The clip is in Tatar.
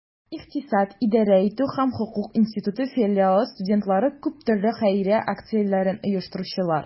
Икътисад, идарә итү һәм хокук институты филиалы студентлары - күп төрле хәйрия акцияләрен оештыручылар.